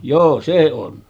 joo se on